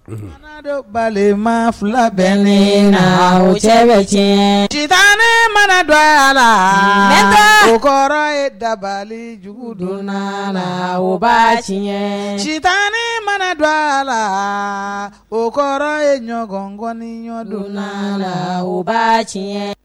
Anadenw bali ma fila bɛ ne la o cɛ bɛ tiɲɛ citan mana don a la o kɔrɔ ye dabalijugudon a la ba tiɲɛɲɛ cita mana don a la o kɔrɔ ye ɲɔgɔnkɔni ɲɔgɔndon la ba tiɲɛ